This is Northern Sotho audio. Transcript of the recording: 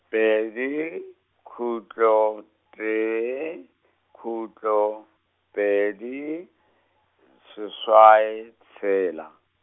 pedi khutlo tee khutlo pedi, seswai tshela.